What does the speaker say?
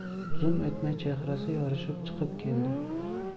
zum o'tmay chehrasi yorishib chiqib keldi